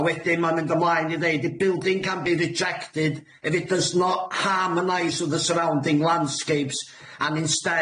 A wedyn ma'n mynd ymlaen i ddeud a building can be rejected if it does not harmonise with the surrounding landscapes and instead detracts from its natural beauty.